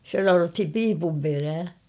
sitä sanottiin piipun perää